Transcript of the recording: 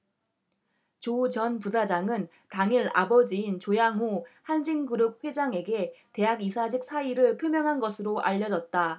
조 전 부사장은 당일 아버지인 조양호 한진그룹 회장에게 대학 이사직 사의를 표명한 것으로 알려졌다